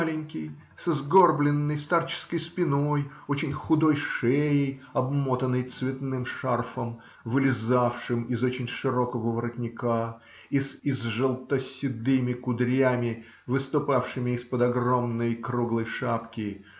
маленький, с сгорбленной старческой спиной, очень худой шеей, обмотанной цветным шарфом, вылезавшим из очень широкого воротника, и с изжелта-седыми кудрями, выступавшими из-под огромной круглой шапки,